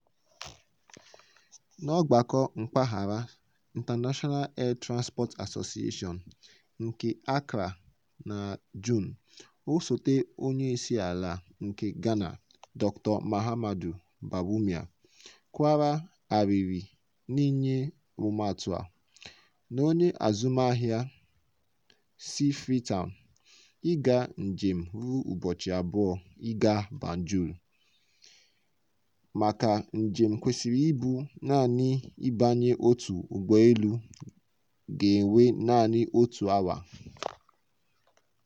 N'ọgbakọ mpaghara International Air Transport Association (IATA) nke Accra na June, osote onyeisiala nke Ghana, Dr. Mahamudu Bawumia, kwara arịrị n'inye ọmụmaatụ a, na onye azụmaahịa si Freetown [Sierra Leone] ịga njem rụrụ ụbọchị abụọ ị gá Banjul (nke ga-abụ ị sị n'obodo ọzọ gafee) maka njem kwesịrị ị bụ naanị ị banye otu ụgbọelu ga-ewe naanị otu awa."